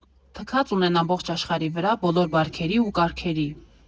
Թքած ունեն ամբողջ աշխարհի վրա, բոլոր բարքերի ու կարգերի։